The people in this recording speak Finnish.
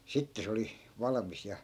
sitten se oli valmis ja